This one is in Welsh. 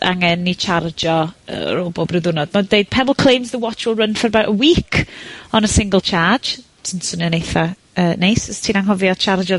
angen 'i tsiarjio yy ar ôl bob ryw diwrnod. Ma'n deud Pebble claims the watch will run for about a week on a single charge, sy'n swnio'n eitha yy neis, os ti'n angholfio tsiarjio